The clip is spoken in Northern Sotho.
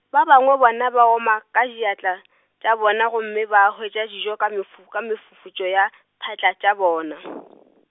ba bangwe bona ba oma ka diatla, tša bona gomme ba hwetša dijo ka mefu- ka mefufutšo ya, phatla tša bona.